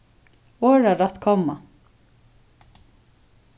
orðarætt komma